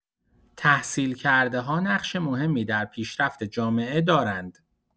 تحصیل‌کرده‌ها نقش مهمی در پیشرفت جامعه دارند.